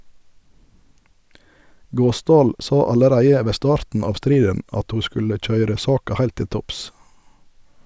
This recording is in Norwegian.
Gåsdal sa allereie ved starten av striden at ho skulle køyre saka heilt til topps.